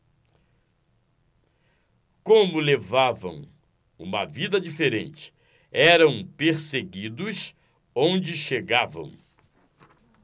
como levavam uma vida diferente eram perseguidos onde chegavam